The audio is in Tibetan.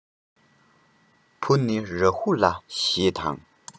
བུ ནི རཱ ཧུ ལ ཞེས དང